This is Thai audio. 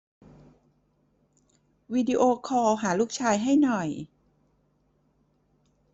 วิดีโอคอลหาลูกชายให้หน่อย